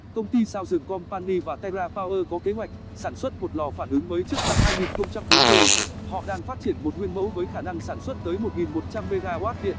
công ty southern company và terrapower có kế hoạch sản xuất một lò phản ứng mới trước năm họ đang phát triển một nguyên mẫu với khả năng sản xuất tới megawatt điện